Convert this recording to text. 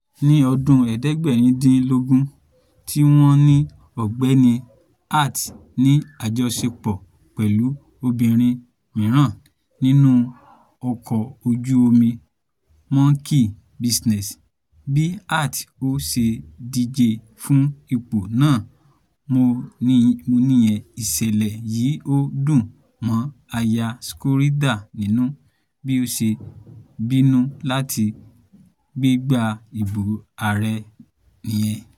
Ní ọdún 1987, tí wọ́n ní Ọ̀gbẹ́ni Hart ní àjọṣepọ̀ pẹ̀lú obínrin mìíràn nínú ọkọ ojú-omi Monkey Business, bí Hart ‘ò ṣe díje fún ipò náà mọ́ nìyẹn. Iṣẹ̀lẹ̀ yí ‘ò dùn mọ́ Aya Schroeder nínú. Bí ó ṣe pinnu láti gbégba ìbò ààrẹ nìyẹn.